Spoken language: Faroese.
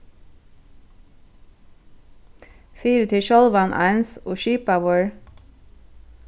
fyri teg sjálvan eins og skipaður